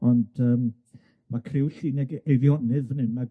Ond yym ma'...